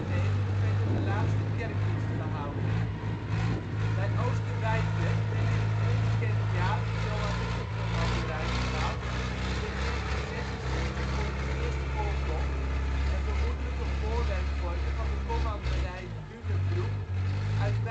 In 1997 werd er de laatste kerkdienst gehouden. Bij Oosterwijtwerd werd in een onbekend jaar een Johannieter commanderij gebouwd, die in 1466 voor het eerst voorkomt en vermoedelijk een voorwerk vormde van de commanderij Dünebroek uit